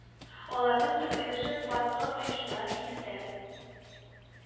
Аларның төп өлеше банкрот оешмалар иңендә